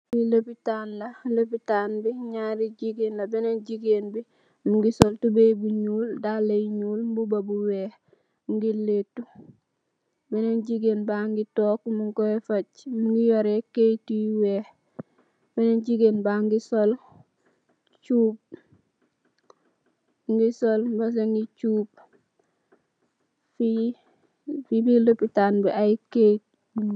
Fii lopitaan la, lopitaan bi, ñaari jigéen. Bennë jigéen mu ngi sol tubooy bu ñuul, dallë yu ñuul, mbuba bu weex, mu ngi leetu, benen, mu ngi toog ñuñ kooy facc, mu ngi yore kayiti ,benen jigéen bi sol cuup, mu ngi sol mbesseng nyi cuup, si biir lopitaan bi...